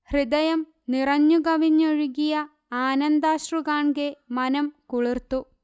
ഹൃദയം നിറഞ്ഞു കവിഞ്ഞൊഴുകിയ ആനന്ദാശ്രു കാൺകെ മനം കുളിർത്തു